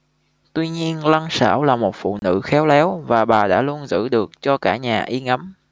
tuy nhiên lăng xảo là một phụ nữ khéo léo và bà đã luôn giữ được cho cả nhà yên ấm